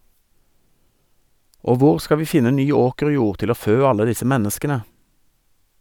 Og hvor skal vi finne ny åkerjord til å fø alle disse menneskene?